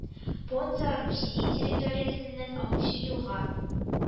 Поца Русия территориясеннән агучы елга